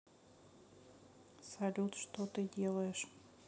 салют что ты делаешь